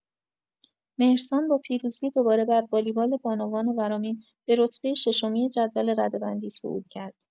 مهرسان با پیروزی دوباره بر والیبال بانوان ورامین به رتبه ششمی جدول رده‌بندی صعود کرد.